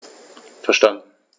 Verstanden.